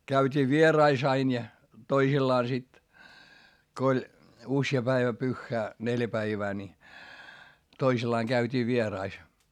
käytiin vieraissa aina ja toisillaan sitten kun oli usea päivä pyhää neljä päivää niin toisillaan käytiin vieraissa